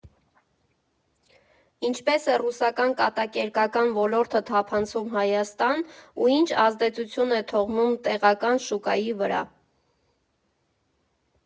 Ինչպե՞ս է ռուսական կատակերգական ոլորտը թափանցում Հայաստան ու ինչ ազդեցություն է թողնում տեղական շուկայի վրա։